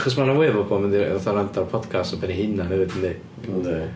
Achos ma' rhan fwyaf o bobl yn mynd i fatha wrando ar podcast ar ben ei hunan hefyd yndi... Yndi.